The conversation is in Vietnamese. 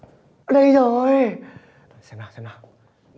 đây rồi xem nào xem nào